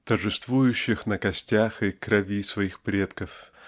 торжествующих на костях и крови своих предков